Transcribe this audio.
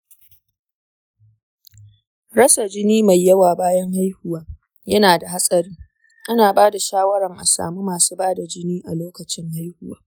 rasa jini mai yawa bayan haihuwa yana da hatsari, ana bada shawaran a samu masu bada jini a lokacin haihuwa